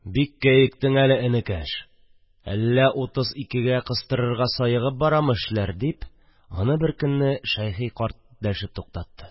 – бик кәектең әле, энекәш, әллә утыз икегә кыстырырга саегып барамы эшләр? – дип аны бер көнне шәйхи карт дәшеп туктатты